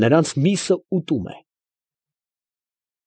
Նրանց միսը ուտում է։